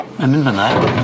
Ma'n mynd fynna.